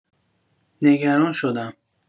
نگران شدم.